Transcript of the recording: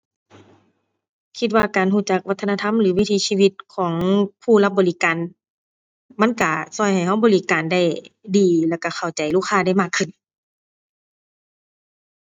คิดว่าการรู้จักวัฒนธรรมหรือวิถีชีวิตของผู้รับบริการ มันรู้รู้ให้รู้บริการได้ดี แล้วรู้เข้าใจลูกค้าได้มากขึ้น